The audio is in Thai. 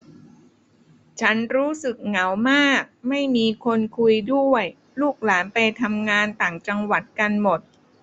ฉันรู้สึกเหงามากไม่มีคนคุยด้วยลูกหลานไปทำงานต่างจังหวัดกันหมด